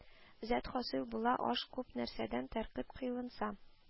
Зәт хасыйл була, аш күп нәрсәдән тәркиб кыйлынса